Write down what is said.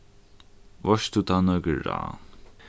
veitst tú tá nøkur ráð